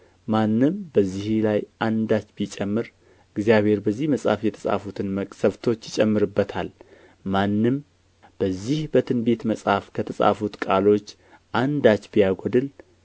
ማንም በዚህ ላይ አንዳች ቢጨምር እግዚአብሔር በዚህ መጽሐፍ የተጻፉትን መቅሠፍቶች ይጨምርበታል ማንምም በዚህ በትንቢት መጽሐፍ ከተጻፉት ቃሎች አንዳች ቢያጎድል